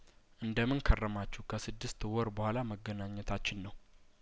እንደምን ከረማችሁ ከስድስት ወር በኋላ መገናኘታችን ነው